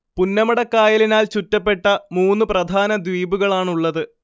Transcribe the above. പുന്നമടക്കായലിനാൽ ചുറ്റപ്പെട്ട മൂന്ന് പ്രധാന ദ്വീപുകളാണുള്ളത്